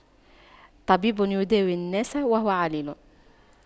طبيب يداوي الناس وهو عليل